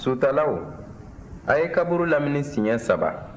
sutalaw a' ye kaburu lamini siɲɛ saba